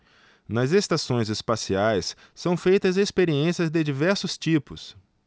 nas estações espaciais são feitas experiências de diversos tipos